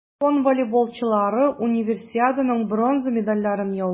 Япон волейболчылары Универсиаданың бронза медальләрен яулады.